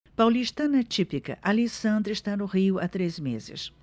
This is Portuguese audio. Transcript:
paulistana típica alessandra está no rio há três meses